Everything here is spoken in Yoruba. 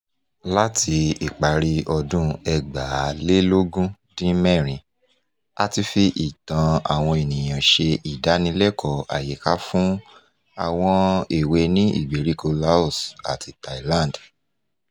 Láti ìparí ọdún 2016, a ti fi ìtàn àwọn ènìyàn ṣe ìdánilẹ́kọ̀ọ́ àyíká fún àwọn èwe ní ìgbèríko Laos àti Thailand.